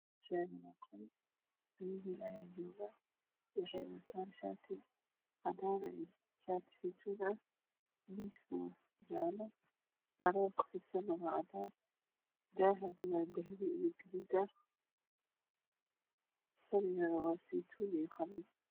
Meshaan wa qol lapa wiil ayaa joogo waxey wataan shaati cadaan ah iyobshaati zaytuun ah miis ayaa ag yaalo marada ku fidsana waa cadaan dahana waa dahapi gadudsaligana waa zeytuun iyo qalin